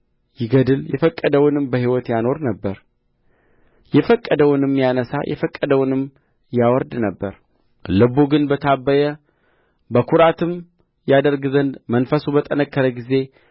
ይገድል የፈቀደውንም በሕይወት ያኖር ነበር የፈቀደውንም ያነሣ የፈቀደውንም ያዋርድ ነበር ልቡ ግን በታበየ በኵራትም ያደርግ ዘንድ መንፈሱ በጠነከረ ጊዜ